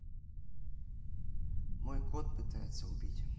мой кот пытается убить